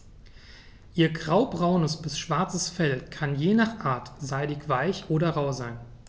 Ihr graubraunes bis schwarzes Fell kann je nach Art seidig-weich oder rau sein.